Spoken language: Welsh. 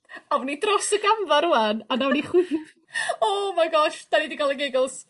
Awn ni dros y gamfa rŵan a nawn ni chwi- oh my gosh 'dan ni 'di ga'l y giggles*.